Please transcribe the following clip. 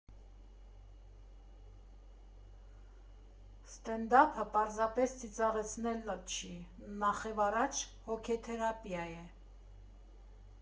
Սթենդափը պարզապես ծիծաղացնելը չի, նախևառաջ հոգեթերապիա է.